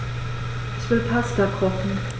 Ich will Pasta kochen.